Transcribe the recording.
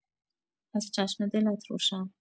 پس چشم دلت روشن.